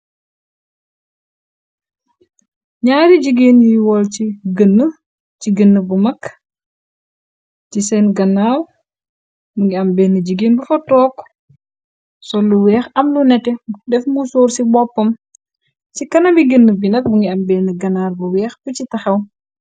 Nyaari jigeen yu wol ci gënn ci gënn bu mag. Ci seen gannaaw mu ngi am benn jigeen bu fa took sol lu weex am lu nete def mu sóor ci boppam. Ci kanami gënn bi nak mu ngi am benn ganaar bu weex bi ci taxaw.